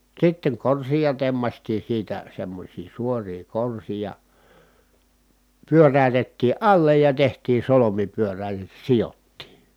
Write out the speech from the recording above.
sitten korsia tempaistiin siitä semmoisia suoria korsia pyöräytettiin alle ja tehtiin solmi pyörälle sidottiin